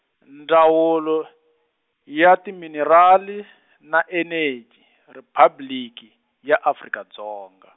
Ndzawulo, ya Timinerali na Eneji, Riphabliki, ya Afrika Dzonga.